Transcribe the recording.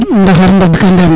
ndaxar daɗka nderne